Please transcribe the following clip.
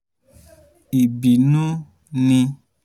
Ìbínú ni,”